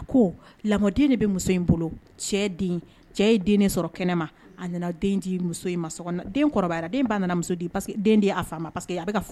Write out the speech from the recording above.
Kɛnɛ nana den den den